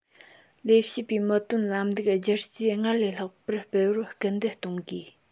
ལས བྱེད པའི མི དོན ལམ ལུགས བསྒྱུར བཅོས སྔར ལས ལྷག པར སྤེལ བར སྐུལ འདེད གཏོང དགོས